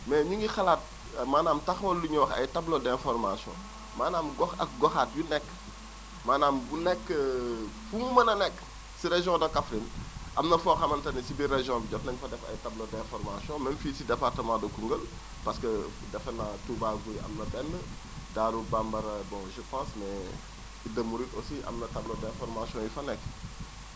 mais ñu ngi xalaat maanaam taxawal lu ñuy wax ay tableaux d' information maanaam gox ak goxaat yu nekk maanaam bu nekk fu mu mën a nekk si région de Kaffrine am na foo xamante ni si biir région bi def nañu fa def ay tableaux d' information même fii si département de Koungheul parce que defenaa Touba Gouye am na benn Darou Bambara bon je pense ne Idda Mouride aussi am na tableaux d' information yu fa nekk